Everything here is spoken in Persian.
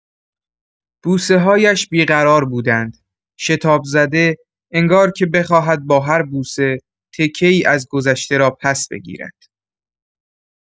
بوسه‌هایش بی‌قرار بودند، شتاب‌زده، انگار که بخواهد با هر بوسه، تکه‌ای از گذشته را پس‌بگیرد.